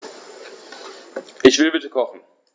Ich will bitte kochen.